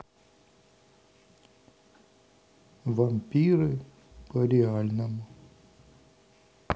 вампиры по реальному